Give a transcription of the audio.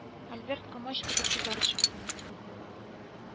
Альберт комач кебек кызарып чыкты